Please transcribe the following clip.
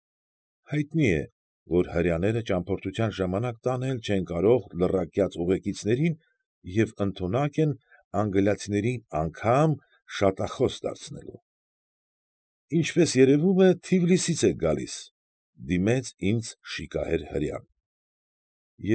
Հայտնի է, որ հրեաները ճամփորդության ժամանակ տանել չեն կարող ուղեկիցներին և ընդունակ են անգլիացիներին անգամ շատախոս դարձնելու։ ֊ Ւնչպես երևում է, Թիֆլիսից եք գալիս,֊ դիմեց ինձ հրեան։